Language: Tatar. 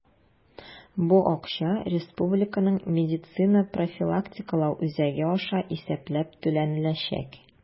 Бу акча Республиканың медицина профилактикалау үзәге аша исәпләп түләнеләчәк.